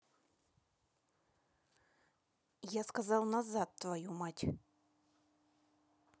я сказал назад твою мать